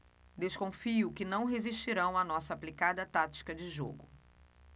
desconfio que não resistirão à nossa aplicada tática de jogo